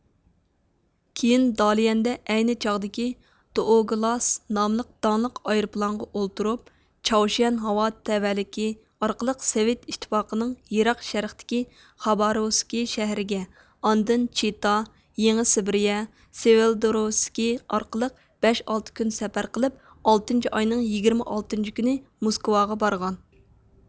كېيىن داليەندە ئەينى چاغدىكى دوئوگلاس ناملىق داڭلىق ئايروپىلانغا ئولتۇرۇپ چاۋشيەن ھاۋا تەۋەلىكى ئارقىلىق سوۋېت ئىتتىپاقىنىڭ يىراق شەرقتىكى خاباروۋسكى شەھىرىگە ئاندىن چىتا يېڭى سىبېرىيە سىۋىلدروۋىسكى ئارقىلىق بەش ئالتە كۈن سەپەر قىلىپ ئالتىنچى ئاينىڭ يىگىرمە ئالتىنچى كۈنى موسكۋاغا بارغان